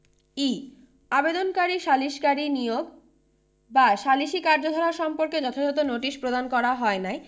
ই আবেদনকারী সালিসকারী নিয়োগ বা সালিসী কার্যধারা সম্পর্কে যথাযথ নোটিশ প্রদান করা হয় নাই